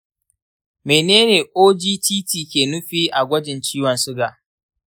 mene ne ogtt ke nufi a gwajin ciwon suga?